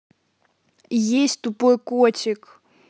есть тупой котик